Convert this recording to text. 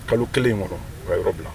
Kalo kelen in kɔnɔ o ye yɔrɔ bila!